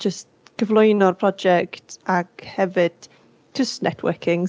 jyst cyflwyno'r prosiect ac hefyd jyst networkings.